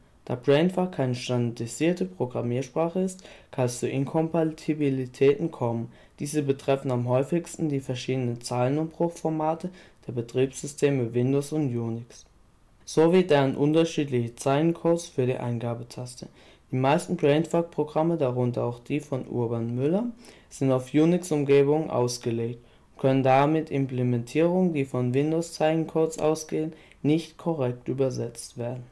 Da Brainfuck keine standardisierte Programmiersprache ist, kann es zu Inkompatibilitäten kommen. Diese betreffen am häufigsten die verschiedenen Zeilenumbruchformate der Betriebssysteme Windows und Unix, sowie deren unterschiedliche Zeichencodes für die Eingabetaste. Die meisten Brainfuckprogramme, darunter auch die von Urban Müller, sind auf Unix-Umgebungen ausgelegt und können daher mit Implementierungen, die von Windows-Zeichencodes ausgehen, nicht korrekt übersetzt werden